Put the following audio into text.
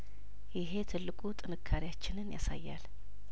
ይሄ ትልቁ ጥንካሬ ያችንን ያሳያል